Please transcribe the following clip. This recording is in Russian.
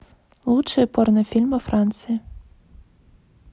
лучшие порно фильмы франции